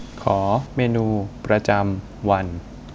ขอเมนูประจำวัน